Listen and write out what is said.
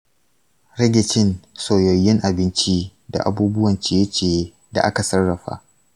rage cin soyayyun abinci da abubuwan ciye-ciye da aka sarrafa.